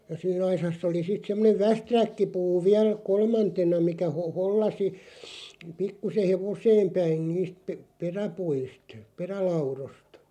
ja siinä aisassa oli sitten semmoinen västäräkkipuu vielä kolmantena mikä - hollasi pikkuisen hevoseen päin niistä - peräpuista perälaudoista